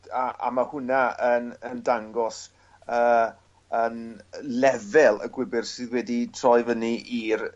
a a ma' hwnna yn yn dangos yy yn lefel y gwibwyr sydd wedi troi fyny i'r